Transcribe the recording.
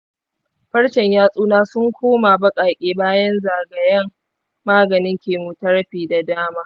farcen yatsuna sun koma baƙaƙe bayan zagayen maganin chemotherapy da dama.